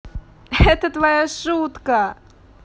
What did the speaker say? это твоя шутка